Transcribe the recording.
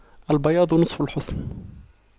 البياض نصف الحسن